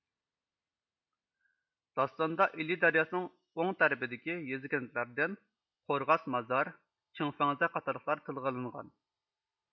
داستاندا ئىلى دەرياسىنىڭ ئوڭ تەرىپىدىكى يېزا كەنتلەردىن قورغاس مازار چىڭفەڭزە قاتارلىقلار تىلغا ئېلىنغان